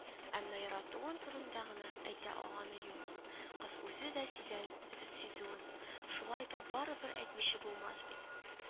Әмма яратуын турыдан гына әйтә алганы юк, кыз үзе дә сизә дер сизүен, шулай да барыбер әйтмичә булмас бит